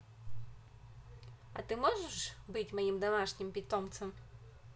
а ты можешь быть моим домашним животным